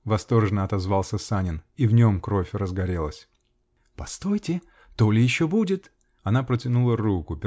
-- восторженно отозвался Санин. И в нем кровь разгорелась. -- Постойте, то ли еще будет! -- Она протянула руку.